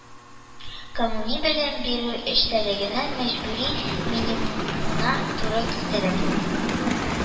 Гомуми белем бирү эчтәлегенең мәҗбүри минимумына туры китереп